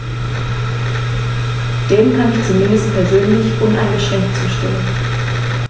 Dem kann ich zumindest persönlich uneingeschränkt zustimmen.